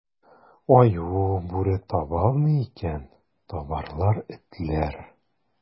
Аю, бүре таба алмый икән, табарлар этләр.